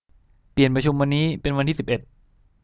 เปลี่ยนประชุมวันนี้เป็นวันที่สิบเอ็ด